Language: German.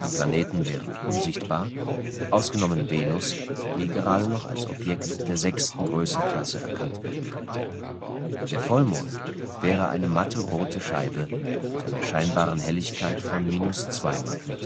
Planeten wären unsichtbar, ausgenommen Venus, die gerade noch als Objekt der sechsten Größenklasse erkannt werden könnte. Der Vollmond wäre eine matte rote Scheibe mit einer scheinbaren Helligkeit von −2m. [A 2] Die